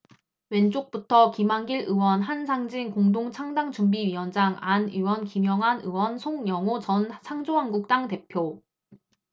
왼쪽부터 김한길 의원 한상진 공동창당준비위원장 안 의원 김영환 의원 송영오 전 창조한국당 대표